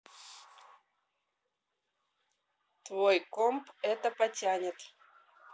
твой комп это потянет